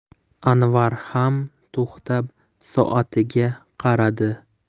anvar ham to'xtab soatiga qaradi